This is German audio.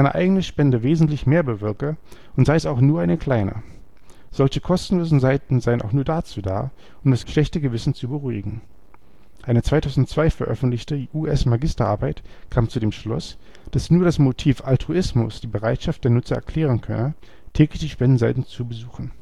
eigene Spende wesentlich mehr bewirke und sei es auch nur eine kleine. Solche kostenlosen Seiten seien nur dazu da, um das schlechte Gewissen zu beruhigen. Eine 2002 veröffentlichte US-Magisterarbeit kam zu dem Schluss, dass nur das Motiv Altruismus die Bereitschaft der Nutzer erklären könne, täglich die Spendenseiten zu besuchen